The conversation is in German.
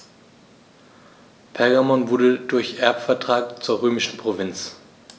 Pergamon wurde durch Erbvertrag zur römischen Provinz.